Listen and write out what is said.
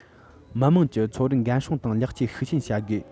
མི དམངས ཀྱི འཚོ བར འགན སྲུང དང ལེགས བཅོས ཤུགས ཆེན བྱ དགོས